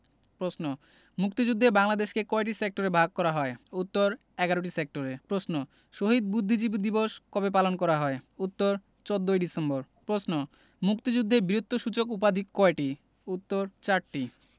প্রশ্ন মুক্তিযুদ্ধে বাংলাদেশকে কয়টি সেক্টরে ভাগ করা হয় উত্তর ১১টি সেক্টরে প্রশ্ন শহীদ বুদ্ধিজীবী দিবস কবে পালন করা হয় উত্তর ১৪ ডিসেম্বর প্রশ্ন মুক্তিযুদ্ধে বীরত্বসূচক উপাধি কয়টি উত্তর চারটি